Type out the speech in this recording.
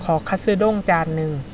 ขอคัตสึด้งจานหนึ่ง